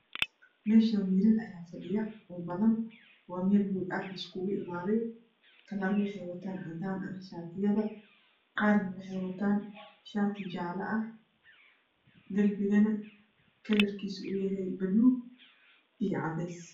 Meshani wiilal ayaa fadhiya oo badan waa meel hol ah oo la iskugu imaday kalaro wexey watan cadan ah qarna wexeey watan sharar jale ah derbigana kalrkisu waa baluug iyo xadees